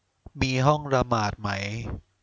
มีห้องละหมาดไหม